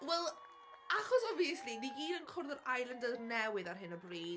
Wel, achos obviously ni gyd yn cwrdd â'r islander newydd ar hyn o bryd...